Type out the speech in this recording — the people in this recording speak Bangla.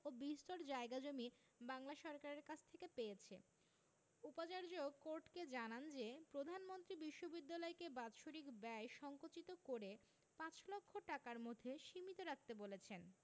ও বিস্তর জায়গা জমি বাংলা সরকারের কাছ থেকে পেয়েছে উপাচার্য কোর্টকে জানান যে প্রধানমন্ত্রী বিশ্ববিদ্যালয়কে বাৎসরিক ব্যয় সংকুচিত করে পাঁচ লক্ষ টাকার মধ্যে সীমিত রাখতে বলেছেন